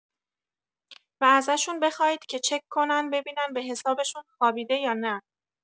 و ازشون بخواید که چک کنن ببینن به حسابشون خوابیده یا نه.